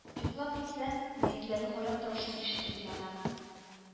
Йоклап китсәм, мәетләрнең аяк тавышын ишетеп уянам